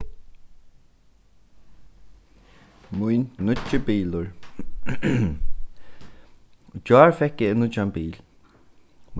mín nýggi bilur í gjár fekk eg nýggjan bil